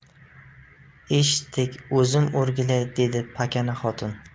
eshitdik o'zim o'rgilay dedi pakana xotin